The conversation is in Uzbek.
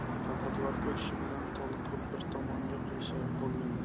faqat vaqt o'tishi bilan toliqib bir tomonga qiyshayib qolgan